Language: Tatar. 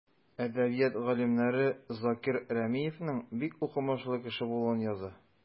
Әдәбият галимнәре Закир Рәмиевнең бик укымышлы кеше булуын яза.